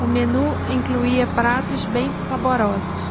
o menu incluía pratos bem saborosos